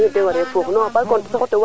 kam dufa rek ten fene sax